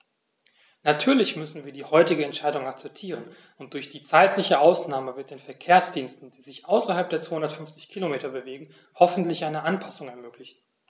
Natürlich müssen wir die heutige Entscheidung akzeptieren, und durch die zeitliche Ausnahme wird den Verkehrsdiensten, die sich außerhalb der 250 Kilometer bewegen, hoffentlich eine Anpassung ermöglicht.